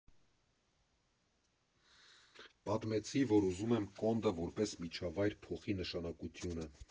Պատմեցի, որ ուզում եմ Կոնդը, որպես միջավայր, փոխի նշանակությունը։